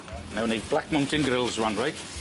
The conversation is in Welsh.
Newn ni black mountain grills rŵan rei?